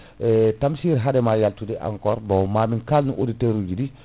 Tamsir yadema halyude encore bon mamin kalnu auditeur uji ɗi